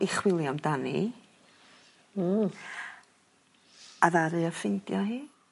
...i chwilio amdani. Hmm. a ddaru o ffindio hi.